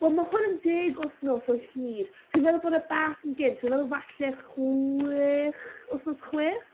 Wel mae hwn yn deg wythnos o hyd. So fi'n meddwl bod e bach yn gynt. Dwi'n meddwl falle chwech wythnos chwech?